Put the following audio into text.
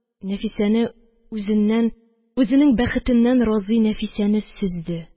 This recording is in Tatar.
Нәфисәне, үзеннән, үзенең бәхетеннән разый Нәфисәне сөзде.